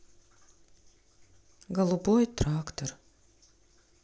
голубой трактор